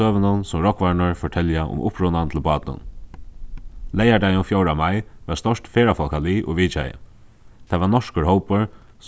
søgunum sum rógvararnir fortelja um upprunan til bátin leygardagin fjórða mai var stórt ferðafólkalið og vitjaði tað var norskur hópur